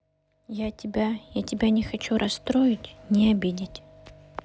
я тебя я тебя не хочу расстроить не обидеть